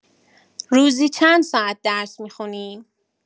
روزی چند ساعت درس می‌خونی؟